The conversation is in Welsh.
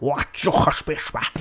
Watsiwch y space 'ma.